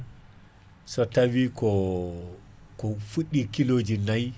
* so tawi koo ko fudɗi kiloji nayyi